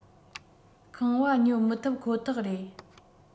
ཁང བ ཉོ མི ཐུབ ཁོ ཐག རེད